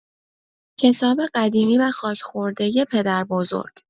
کتاب قدیمی و خاک‌خوردۀ پدربزرگ